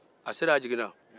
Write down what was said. a selen a jigina